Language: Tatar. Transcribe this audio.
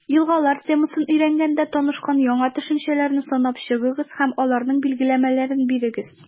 «елгалар» темасын өйрәнгәндә танышкан яңа төшенчәләрне санап чыгыгыз һәм аларның билгеләмәләрен бирегез.